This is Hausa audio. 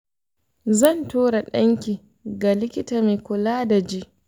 dan tura danki zuwa ga likita mai kula da ji.